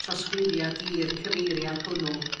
trosglwyddiad i'r cyfeiriad hwnnw.